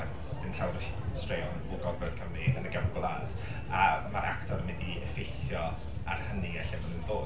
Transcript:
Oherwydd 'sdim llawer o h- straeon yn Gogledd Cymru, yn y gefn gwlad. A mae'r actor yn mynd i effeithio ar hynny a lle maen nhw'n dod.